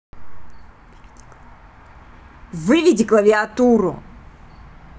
выведи клавиатуру